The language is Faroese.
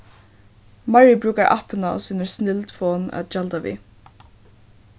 mary brúkar appina á sínari snildfon at gjalda við